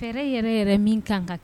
Fɛɛrɛ yɛrɛ yɛrɛ min kan ka kɛ